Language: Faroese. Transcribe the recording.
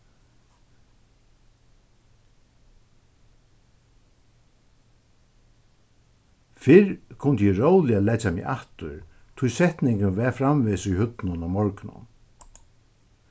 fyrr kundi eg róliga leggja meg aftur tí setningurin var framvegis í høvdinum um morgunin